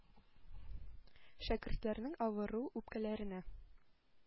Шәкертләрнең авыру үпкәләренә